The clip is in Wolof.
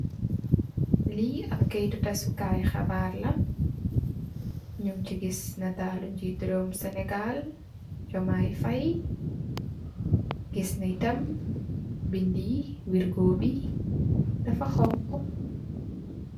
Li ap kayitu tasèkai xibar la ñiñ ci gis nitalo ngeetu rew Senegal Jomai Fay gis neh yitam bindi wirgo bi dafa xonxu.